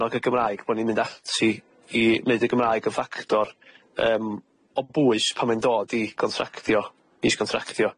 ag y Gymraeg bo' ni'n mynd ati i neud y Gymraeg yn ffactor yym o bwys pan mae'n dod i gontractio, is-gontractio.